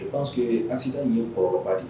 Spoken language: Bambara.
O'seke ye anse ye kɔrɔ a de ye